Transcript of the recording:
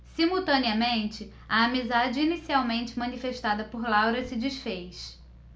simultaneamente a amizade inicialmente manifestada por laura se disfez